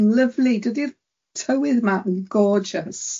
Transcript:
Lyfli, dydi'r tywydd ma yn gorgeous